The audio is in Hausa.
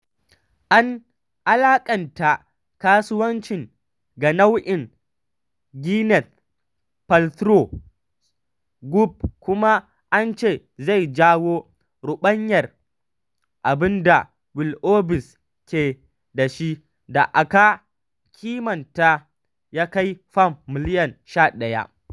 An alaƙanta kasuwancin ga nau’in Gwyneth Paltrow's Goop kuma an ce zai jawo ruɓanyar abin da Willoughby's ke da shi da aka kimanta ya kai Fam miliyan 11.